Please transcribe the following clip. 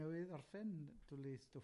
...newydd orffen dwli ei stwff